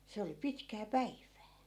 se oli pitkää päivää